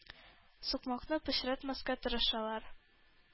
Сукмакны пычратмаска тырышалар.